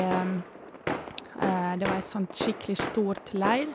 Det var et sånt skikkelig stort leir.